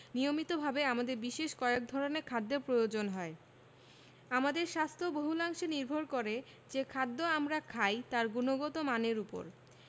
নিয়মিতভাবে আমাদের বিশেষ কয়েক ধরনের খাদ্যের প্রয়োজন হয় আমাদের স্বাস্থ্য বহুলাংশে নির্ভর করে যে খাদ্য আমরা খাই তার গুণগত মানের ওপর